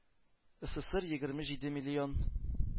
Эсэсэсэр егерме җиде миллион,